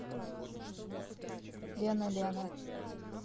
лена лена